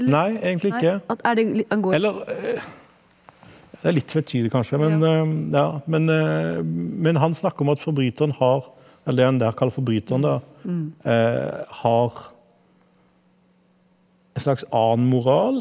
nei egentlig ikke, eller det er litt tvetydig kanskje men ja men men han snakker om at forbryteren har eller det han der kaller forbryteren da har en slags annen moral.